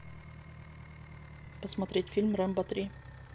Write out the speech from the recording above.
посмотреть фильм рэмбо три